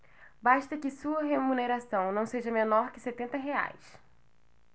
basta que sua remuneração não seja menor que setenta reais